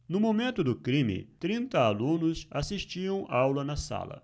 no momento do crime trinta alunos assistiam aula na sala